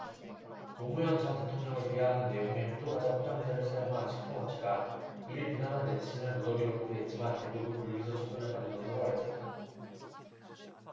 노무현 전 대통령을 비하하는 내용의 호두과자 포장재를 사용한 식품업체가 이를 비난한 네티즌을 무더기로 고소했지만 대부분 불기소 처분을 받은 것으로 알려졌다